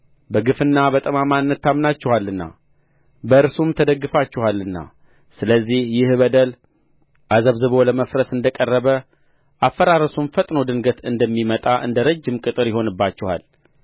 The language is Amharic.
በግፍና በጠማምነት ታምናችኋልና በእርሱም ተደግፋችኋልና ስለዚህ ይህ በደል አዘብዝቦ ለመፍረስ እንደ ቀረበ አፈራረሱም ፈጥኖ ድንገት እንደሚመጣ እንደ ረጅም ቅጥር ይሆንባችኋል